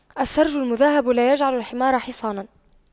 السَّرْج المُذهَّب لا يجعلُ الحمار حصاناً